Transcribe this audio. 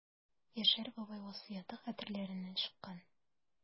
Яшәр бабай васыяте хәтерләреннән чыккан.